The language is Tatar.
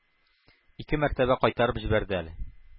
Ике мәртәбә кайтарып җибәрде әле.